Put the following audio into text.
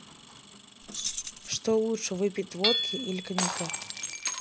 что лучше выпить водки или коньяка